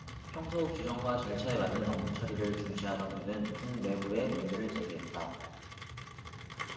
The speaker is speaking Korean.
평소 규정과 절차에 맞는 업무 처리를 중시하던 그는 군 내부에 문제를 제기했다